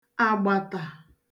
àgbàtà